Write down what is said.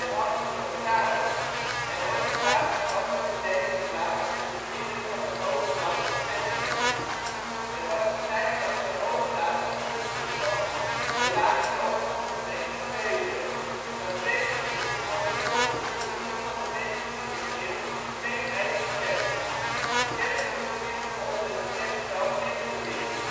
had de notaris en ook het waterschap was in deze plaats in het midden van het Hogeland gevestigd. Het was een tijdlang de hoofdplaats van Hunsingo, en later ook van de gemeente Bedum, maar vreemd genoeg had het tot in het begin van de negentiende eeuw geen eigen kerk. Kerkelijk viel het onder het kerspel Menkeweer